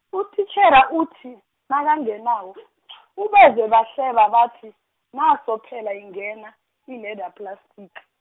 utitjhere uthi, nakangenako , ubezwe bahleba bathi, naso phela ingena, i- leather plastic.